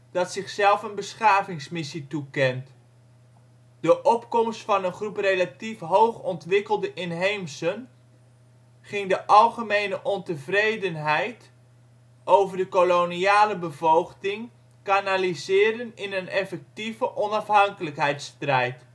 dat zichzelf een beschavingsmissie toekent. De opkomst van een groep relatief hoog ontwikkelde inheemsen (" évolués ") ging de algemene ontevredenheid over de koloniale bevoogding kanaliseren in een effectieve onafhankelijkheidsstrijd